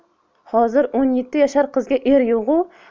hozir o'n yetti yashar qizga er yo'g'u